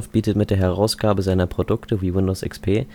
bietet mit der Herausgabe seiner Produkte wie Windows XP